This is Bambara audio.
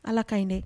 Ala ka ɲi dɛ